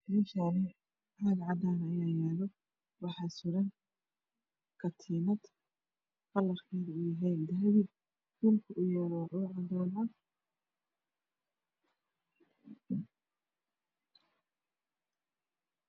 Meshani caag cadan ah ayaalo waxa suran katinad kalarkeedo yahay dahabi dhulka oow yalo waa dhul cadan ah